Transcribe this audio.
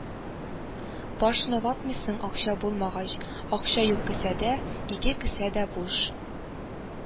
- башны ватмыйсың акча булмагач, акча юк кесәдә, ике кесә дә буш